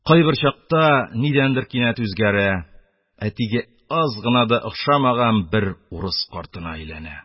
Кайбер чакта нидәндер кинәт үзгәрә, әтигә аз гына да ошамаган бер рус картына әйләнә.